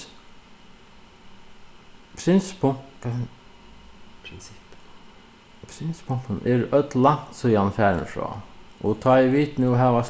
prins prins eru øll langt síðani farin frá og tá ið vit nú hava